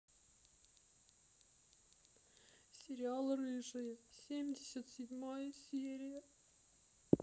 сериал рыжая семьдесят седьмая серия